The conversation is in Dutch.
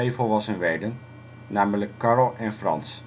volwassen werden, namelijk Carl en Franz